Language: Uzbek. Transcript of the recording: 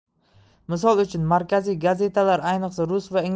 misol uchun markaziy gazetalar ayniqsa rus va